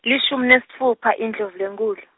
lishumi nesitfupha iNdlovulenkhulu.